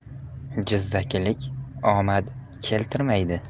jizzakilik omad keltirmaydi